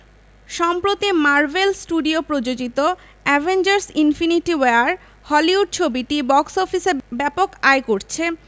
সম্প্রতি Marvel studio প্রযোজিত Avengers Infinity War Hollywood ছবিটি বক্স অফিসে ব্যাপক আয় করছে